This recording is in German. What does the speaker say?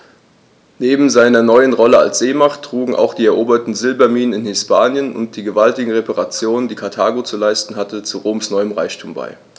Neben seiner neuen Rolle als Seemacht trugen auch die eroberten Silberminen in Hispanien und die gewaltigen Reparationen, die Karthago zu leisten hatte, zu Roms neuem Reichtum bei.